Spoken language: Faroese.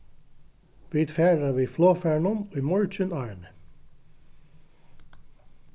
vit fara við flogfarinum í morgin árini